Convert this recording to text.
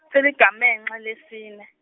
seligamenxe lelesine.